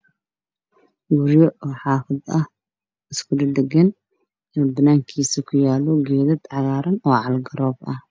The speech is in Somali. Waa guryo oo xaafad ah oo isku dhagan waxaa banaankiisa kuyaalo geedo cagaaran oo cali garoob ah.